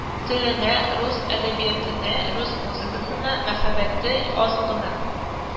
Теленә, рус әдәбиятына, рус музыкасына мәхәббәте аз гына